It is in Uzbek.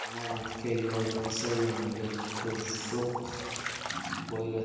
yomon otga yoi bitsa yoniga tursuq boylatmas